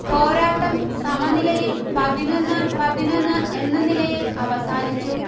പോരാട്ടം സമനിലയായി പതിനൊന്ന്പതിനൊന്ന് എന്ന നിലയിൽ അവസാനിച്ചു